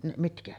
mitkä